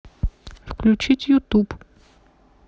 включить ютуб